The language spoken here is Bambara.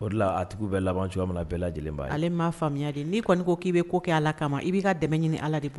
O de la a tigi bɛɛ laban cogoya min bɛɛ lajɛlenba ale maaa faamuyamuya de n'i kɔni ko k'i bɛ ko kɛ a ala kama ma i b'i ka dɛmɛ ɲini ala de